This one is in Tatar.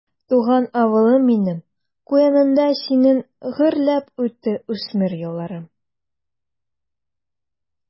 Туган авылым минем, куеныңда синең гөрләп үтте үсмер елларым.